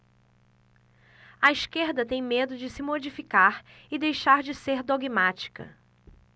a esquerda tem medo de se modificar e deixar de ser dogmática